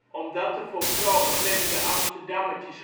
Om dat te voorkomen werden de amsterdammertjes